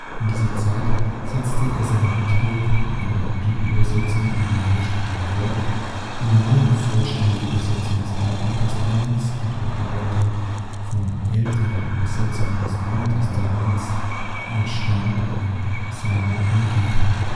In dieser Zeit setzte er seine Mitwirkung an der Bibelübersetzung in die Landessprache fort (eine neue vollständige Übersetzung des Alten Testaments und Überarbeitung von älteren Übersetzungen des Neuen Testaments entstand in seiner Umgebung